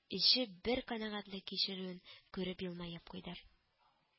Эчеп бер канәгатьлек кичерүен күреп елмаеп куйды